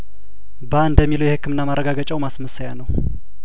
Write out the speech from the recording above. ባባ እንደሚለው የህክምና ማረጋገጫው ማስመሰያነው